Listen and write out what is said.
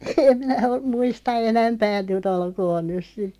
en minä ole muista enempää nyt olkoon nyt sitten